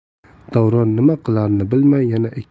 davron nima qilarini bilmay yana